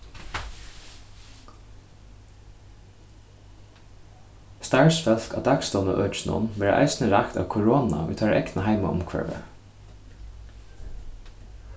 starvsfólk á dagstovnaøkinum verða eisini rakt av korona í teirra egna heimaumhvørvi